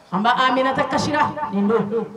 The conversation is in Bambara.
An anminata kasisira nin don